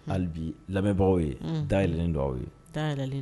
Hali bi lamɛnbagaw ye day yɛlɛlen don aw